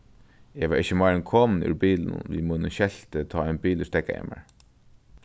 eg var ikki meir enn komin úr bilinum við mínum skelti tá ein bilur steðgaði mær